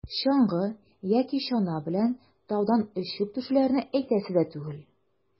Чаңгы яки чана белән таудан очып төшүләрне әйтәсе дә түгел.